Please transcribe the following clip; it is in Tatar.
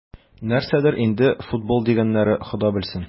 Нәрсәдер инде "футбол" дигәннәре, Хода белсен...